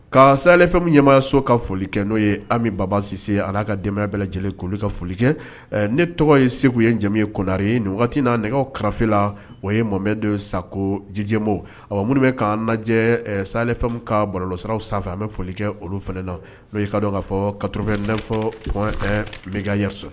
Ka salefɛn ɲɛmaayaso ka foli kɛ n'o ye an ni babasise n'a ka dɛmɛ bɛɛ lajɛlen' ka foli kɛ ne tɔgɔ ye segu ye jɛ ye konare ye nin waati wagati na nɛgɛ karafe la o ye mɔ don sakɔ jijɛbo a minnu bɛ' lajɛ salefɛnmu ka bɔlɔsaraw sanfɛ an bɛ foli kɛ olu fana na ka dɔn ka fɔ kaorofɛ n fɔ m yɛrɛri